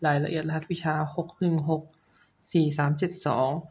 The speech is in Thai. รายละเอียดรหัสวิชาหกหนึ่งหกสี่สามเจ็ดสอง